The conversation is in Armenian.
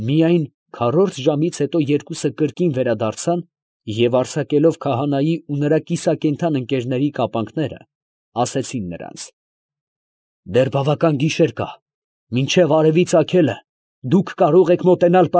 Միայն քառորդ ժամից հետո երկուսը կրկին վերադարձան, և արձակելով քահանայի ու նրա կիսակենդան ընկերների կապանքները, ասեցին նրանց. ֊ Դեռ բավական գիշեր կա. մինչև արևի ծագելը դուք կարող եք մոտենալ։